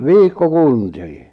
viikkokuntia